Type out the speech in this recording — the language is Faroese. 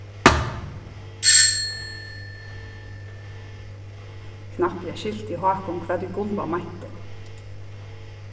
knappliga skilti hákun hvat ið gunnvá meinti